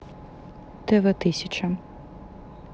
тв тысяча